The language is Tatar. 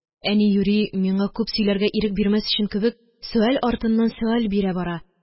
Әни юри, миңа күп сөйләргә ирек бирмәс өчен кебек, сөаль артыннан сөаль бирә бара,